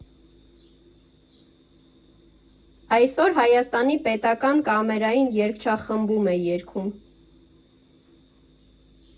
Այսօր Հայաստանի պետական կամերային երգչախմբում է երգում։